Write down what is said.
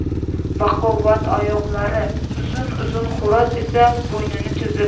baquvvat oyoqlari uzun uzun xo'roz esa bo'ynini cho'zib